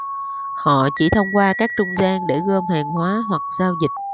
họ chỉ thông qua các trung gian để gom hàng hóa hoặc giao dịch